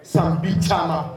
San bi ca